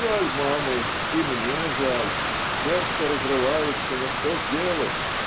"Жаль мамы, и мне жаль, сердце разрывается, но что же делать?